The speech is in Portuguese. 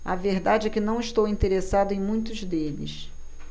a verdade é que não estou interessado em muitos deles